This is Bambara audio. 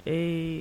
Ee